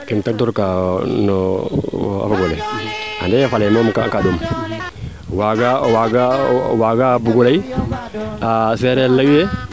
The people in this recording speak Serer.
kem tang toor ka fo o fogole ande faley moom kaa ɗom waaga waaga waaga bugo ley sereer leŋ we